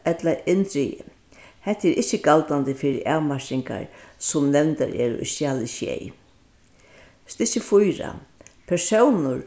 ella inndrigið hetta er ikki galdandi fyri avmarkingar sum nevndar eru í skjali sjey stykki fýra persónur